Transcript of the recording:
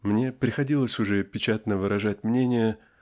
Мне приходилось уже печатно выражать мнение